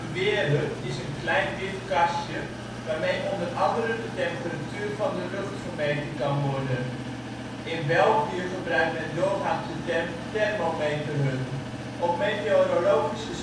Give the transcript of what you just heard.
weerhut is een klein wit kastje waarmee onder andere de temperatuur van de lucht gemeten kan worden. In België gebruikt men doorgaans de term thermometerhut. Op meteorologische